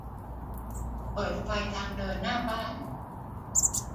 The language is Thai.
เปิดไฟทางเดินหน้าบ้าน